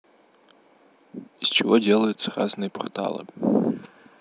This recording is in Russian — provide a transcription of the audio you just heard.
из чего делаются разные порталы